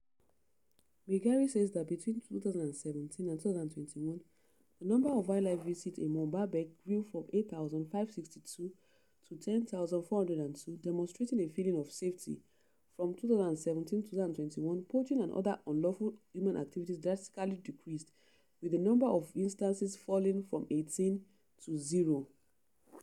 Meigari says that between 2017 and 2021, the number of wildlife visits in Boumba Bek grew from 8,562 to 10,402, demonstrating a feeling of safety: “From 2017 to 2021, poaching and other unlawful human activities drastically decreased, with the number of instances falling from 18 to 0.